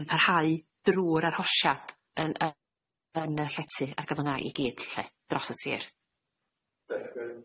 yn parhau drw'r arhosiad yn yy yn y llety ar gyfan'na i gyd lly dros y Sir.